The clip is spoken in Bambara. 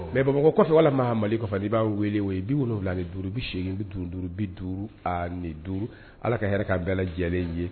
Mɛ bamakɔ kɔfɛ ala ma mali'i b'a weele o i bi wolowula ni duuru bɛ segin n bɛ duuru bi duuru a ni duuru ala ka hɛrɛ k'a bɛɛ lajɛlenlen ye